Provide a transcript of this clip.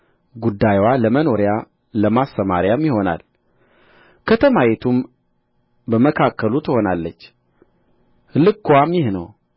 ጉዳይዋ ለመኖሪያ ለማስማርያም ይሆናል ከተማይቱም በመካከሉ ትሆናለች ልክዋም ይህ ነው